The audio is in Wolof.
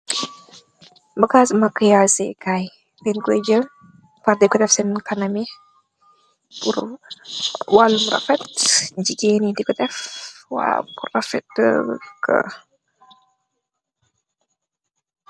Bagas ci jegueen la lii dancoye deffare cen kanam